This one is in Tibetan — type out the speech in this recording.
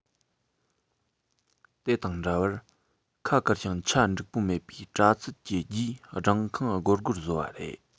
དེ དང འདྲ བར ཁ བཀར ཞིང ཆ འགྲིག པོ མེད པའི པྲ ཚིལ གྱི རྒྱུའི སྦྲང ཁང སྒོར སྒོར བཟོ བ རེད